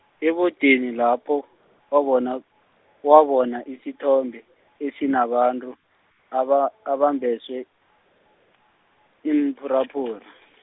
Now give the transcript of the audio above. ebodeni lapho, wabona, wabona isithombe, esinabantu, aba- abambeswe, iimphuraphura.